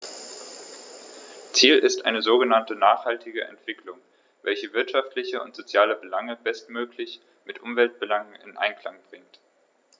Ziel ist eine sogenannte nachhaltige Entwicklung, welche wirtschaftliche und soziale Belange bestmöglich mit Umweltbelangen in Einklang bringt.